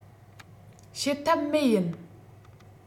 བྱེད ཐབས མེད ཡིན